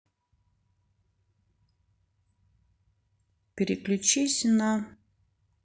переключись на